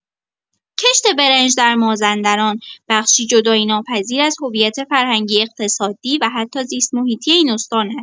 کشت برنج در مازندران بخشی جدایی‌ناپذیر از هویت فرهنگی، اقتصادی و حتی زیست‌محیطی این استان است.